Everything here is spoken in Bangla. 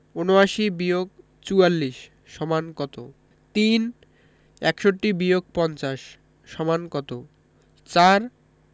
৭৯-৪৪ = কত ৩ ৬১-৫০ = কত ৪